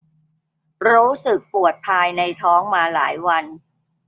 รู้สึกปวดภายในท้องมาหลายวัน